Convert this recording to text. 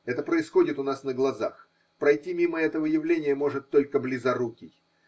Это происходит у нас на глазах, пройти мимо этого явления может только близорукий.